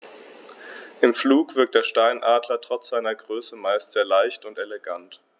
Im Flug wirkt der Steinadler trotz seiner Größe meist sehr leicht und elegant.